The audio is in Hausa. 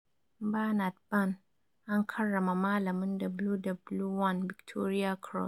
Bernard Vann: An karrama malamin WW1 victoria cross